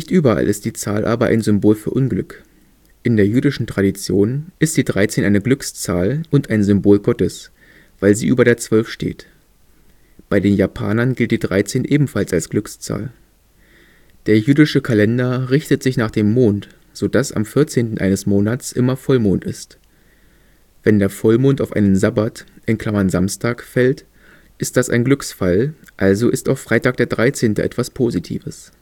überall ist die Zahl aber ein Symbol für Unglück. In der jüdischen Tradition ist die 13 eine Glückszahl und ein Symbol Gottes, weil sie über der Zwölf steht. Bei den Japanern gilt die 13 ebenfalls als Glückszahl. Der jüdische Kalender richtet sich nach dem Mond, sodass am 14. eines Monats immer Vollmond ist. Wenn der Vollmond auf einen Sabbat (Samstag) fällt, ist das ein Glücksfall, also ist auch Freitag der 13. etwas Positives